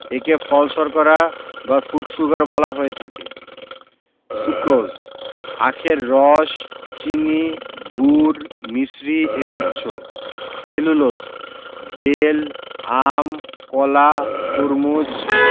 একে ফল শর্করা বা ফ্রুট শুগার বলা হয়ে থাকে সুক্রোজ আখের রস চিনি গুড় মিছরি এর উৎস সেলুলোজ বেল আম কলা তরমুজ